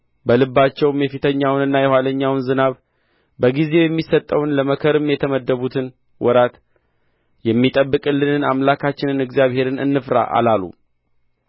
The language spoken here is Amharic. በልባቸውም የፊተኛውንና የኋለኛውን ዝናብ በጊዜው የሚሰጠውን ለመከርም የተመደቡትን ወራት የሚጠብቅልንን አምላካችንን እግዚአብሔርን እንፍራ አላሉም